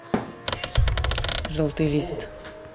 желтый лист